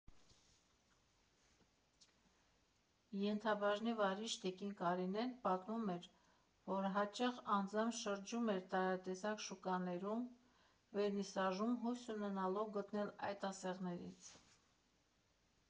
Ենթաբաժնի վարիչ տիկին Կարինեն պատմում է, որ հաճախ անձամբ շրջում էր տարատեսակ շուկաներում, Վերնիսաժում՝ հույս ունենալով գտնել այդ ասեղներից։